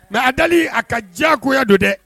Mɛ a dalen a ka diyako don dɛ